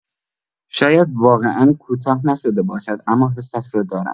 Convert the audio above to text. شاید واقعا کوتاه نشده باشد، اما حسش را دارم.